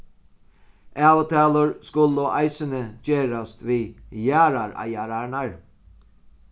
avtalur skulu eisini gerast við jarðareigararnar